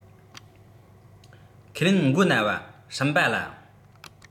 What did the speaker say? ཁས ལེན མགོ ན བ སྲུན པ ལ